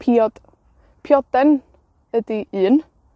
Piod. Pioden ydi un.